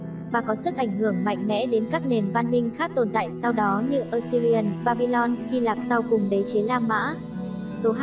và có sức ảnh hưởng mạnh mẽ đến các nền văn minh khác tồn tại sau đó như assyrian babylon hy lạp sau cùng đế chế la mã